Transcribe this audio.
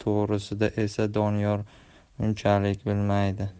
to'g'risida esa doniyor unchalik bilmaydi